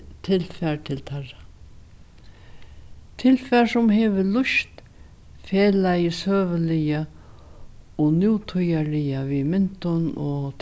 tilfar til teirra tilfar sum hevur lýst felagið søguliga og nútíðarliga við myndum og